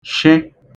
shị